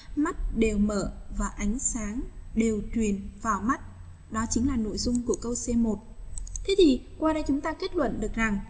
mắt đều mở và ánh sáng đều truyền vào mắt đó chính là nội dung của câu c